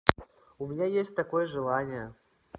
у меня есть такое желание